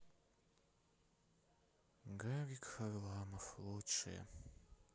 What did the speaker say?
гарик харламов лучшие